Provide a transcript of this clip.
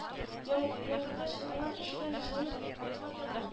Яңгырда чыланган өшегән җылынып йоклап ята